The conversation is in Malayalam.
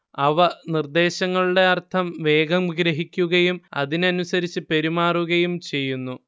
അവ നിർദ്ദേശങ്ങളുടെ അർത്ഥം വേഗം ഗ്രഹിക്കുകയും അതിനനുസരിച്ച് പെരുമാറുകയും ചെയ്യുന്നു